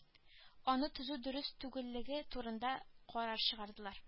Аны төзү дөрес түгеллеге турында карар чыгарылды